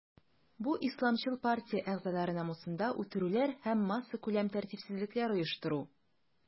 Бу исламчыл партия әгъзалары намусында үтерүләр һәм массакүләм тәртипсезлекләр оештыру.